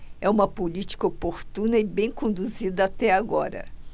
é uma política oportuna e bem conduzida até agora